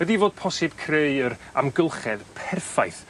ydi fod posib creu'r amgylchedd perffaith